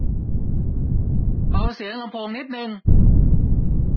เบาเสียงลำโพงนิดนึง